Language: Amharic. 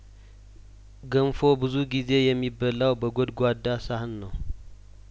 ገንፎ ብዙ ጊዜ የሚበላው በጐድጓዳ ሳህን ነው